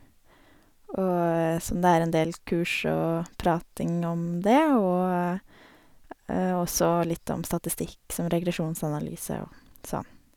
Og, sånn, det er en del kurs og prating om det, og og så litt om statistikk, som regresjonsanalyse og sånn.